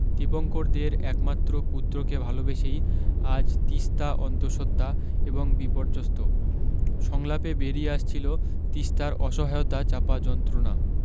দীপঙ্করদের একমাত্র পুত্রকে ভালবেসেই আজ তিস্তা অন্তসত্ত্বা এবং বিপর্যস্ত সংলাপে বেরিয়ে আসছিল তিস্তার অসহায়তা চাপা যন্ত্রণা